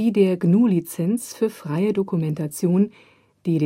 GNU Lizenz für freie Dokumentation. Das zuletzt verwendete Logo der Glanzstoff Austria Die